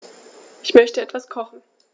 Ich möchte etwas kochen.